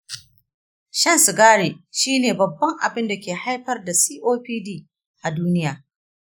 shan sigari shi ne babban abin da ke haifar da copd a duniya.